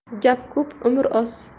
gap ko'p umr oz